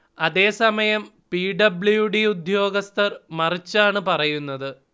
അതേ സമയം P. W. D ഉദ്യോഗസ്ഥർ മറിച്ചാണ് പറയുന്നത്